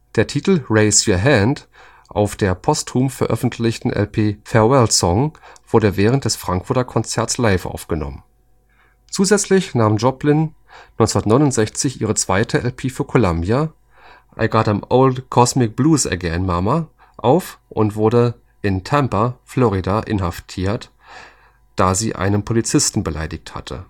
Der Titel „ Raise Your Hand “auf der posthum veröffentlichten LP Farewell Song wurde während des Frankfurter Konzerts live aufgenommen. Zusätzlich nahm Joplin 1969 ihre zweite LP für Columbia (I Got Dem ' Ol Kozmic Blues Again, Mama) auf und wurde in Tampa, Florida inhaftiert, da sie einen Polizisten beleidigt hatte